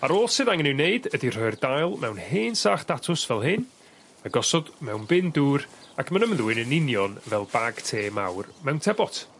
A'r oll sydd angen i'w wneud ydi rhoi'r dail mewn hen sach datws fel hyn a gosod mewn bin dŵr ac ma'n ymddwyn yn union fel bag te mawr mewn tebot.